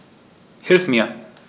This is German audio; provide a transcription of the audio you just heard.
Hilf mir!